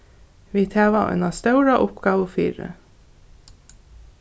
vit hava eina stóra uppgávu fyri